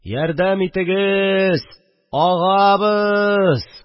– ярдәм итегез! агабыыыз